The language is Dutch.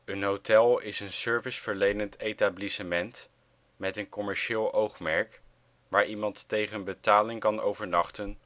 Een hotel is een serviceverlenend etablissement met een commercieel oogmerk waar iemand tegen betaling kan overnachten